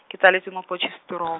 ke tsaletswe mo Potchefstroom.